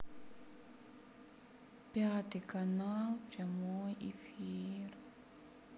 пятый канал прямой эфир